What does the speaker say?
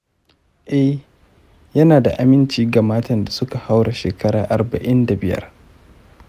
eh, yana da aminci ga matan da suka haura shekaru arba'in da biyar.